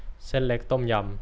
เส้นเล็กต้มยำ